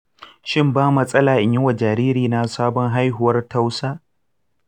shin ba matsala in yi wa jaririna sabon haihuwa tausa?